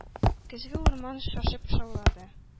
Көзге урман шашып шаулады.